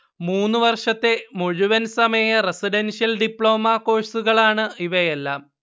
മൂന്നുവർഷത്തെ മുഴുവൻ സമയ residential diploma കോഴ്സുകളാണ് ഇവയെല്ലാം